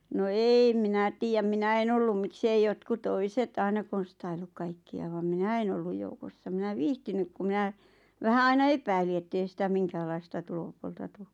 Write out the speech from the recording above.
no en minä tiedä minä en ollut miksi ei jotkut toiset aina konstaillut kaikkia vaan minä en ollut joukossa minä viitsinyt kun minä vähän aina epäilin että ei sitä minkäänlaista tulopuolta tule